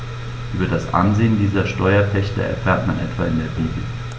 Über das Ansehen dieser Steuerpächter erfährt man etwa in der Bibel.